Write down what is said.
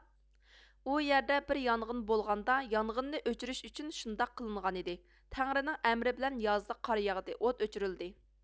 ئۇ يەردە بىر يانغېن بولغاندا يانغېننى ئۆچۈرۈش ئۈچۈن شۇنداق قىلىنغانىدى تەڭرىنىڭ ئەمرى بىلەن يازدا قار ياغدى ئوت ئۆچۈرۈلدى